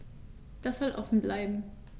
Das soll offen bleiben.